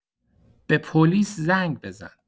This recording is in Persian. به پلیس زنگ بزن.